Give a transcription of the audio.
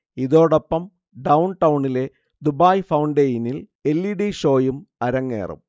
ഇതോടൊപ്പം ഡൗൺടൗണിലെ ദുബായ് ഫൗണ്ടെയിനിൽ എൽ. ഇഡി ഷോയും അരങ്ങേറും